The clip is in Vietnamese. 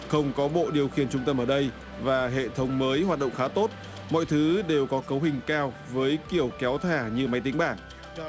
không có bộ điều khiển trung tâm ở đây và hệ thống mới hoạt động khá tốt mọi thứ đều có cấu hình cao với kiểu kéo thả như máy tính bảng